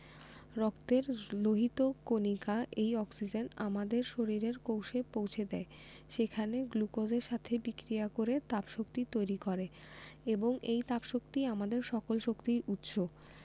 রক্তের লোহিত কণিকা এই অক্সিজেন আমাদের শরীরের কোষে পৌছে দেয় সেখানে গ্লুকোজের সাথে বিক্রিয়া করে তাপশক্তি তৈরি করে এবং এই তাপশক্তি আমাদের সকল শক্তির উৎস